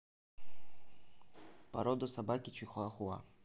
порода собаки чихуа хуа